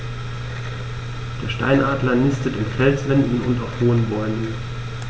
Der Steinadler nistet in Felswänden und auf hohen Bäumen.